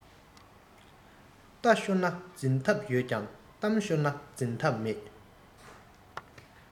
རྟ ཤོར ན འཛིན ཐབས ཡོད ཀྱང གཏམ ཤོར ན འཛིན ཐབས མེད